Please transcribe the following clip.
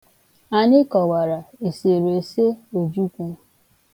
Anyị kọwara esereese Ojukwu.